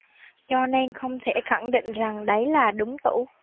cho nên không thể khẳng định rằng đấy là đúng tủ